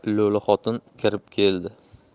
xotin kirib keldi